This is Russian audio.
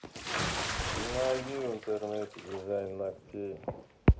найди в интернете дизайн ногтей